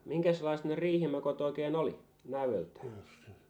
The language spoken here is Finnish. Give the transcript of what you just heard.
minkäslaiset ne riihimekot oikein oli näöltään